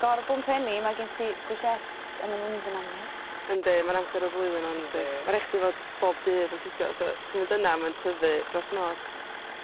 gorbwmpenni ma' gen ti courgettes a ma' nw'n mynd yn anfarth. Yndi ma'n amser y flwyddyn yndi. Yndi. Ma' rai' chdi fod bob dydd yn pigo so t'mod yna ma'n tyfu dros nos.